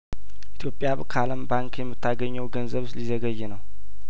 ኢትዮጵያ ብካለም ባንክ የምታገኘው ገንዘብ ሊዘገይ ነው